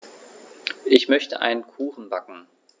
Ich möchte einen Kuchen backen.